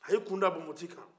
a y'i kunda bonboti kan